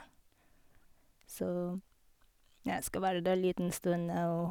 Så, ja, skal være der liten stund og...